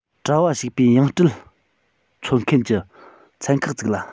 གྲྭ བ ཞུགས པའི ཡང སྤྲུལ འཚོལ མཁན གྱི ཚན ཁག བཙུགས ལ